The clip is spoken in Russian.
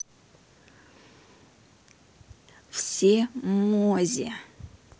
все mozee